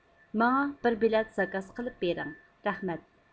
ماڭا بىر بېلەت زاكاز قىلىپ بېرىڭ رەھمەت